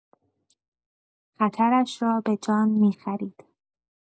خطرش را به جان می‌خرید.